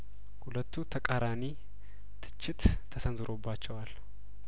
ሁለቱ ተቃራኒ ትችት ተሰንዝሮባቸዋል